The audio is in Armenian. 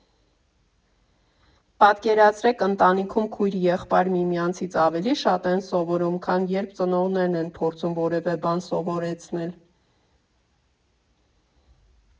Պատկերացրեք՝ ընտանիքում քույր֊եղբայր միմյանցից ավելի շատ են սովորում, քան երբ ծնողներն են փորձում որևէ բան սովորեցնել։